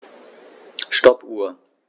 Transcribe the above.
Stoppuhr.